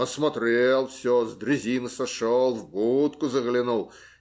Осмотрел все, с дрезины сошел, в будку заглянул.